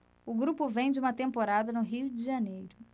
o grupo vem de uma temporada no rio de janeiro